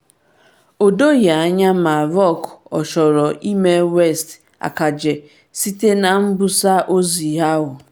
O doghị anya ma Rock ọ chọrọ ime West akaja site na mbusa ozi ahụ.